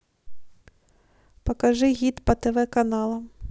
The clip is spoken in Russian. покажи гид по тв каналам